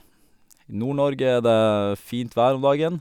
I Nord-Norge er det fint vær om dagen.